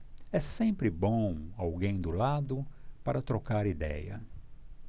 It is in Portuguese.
é sempre bom alguém do lado para trocar idéia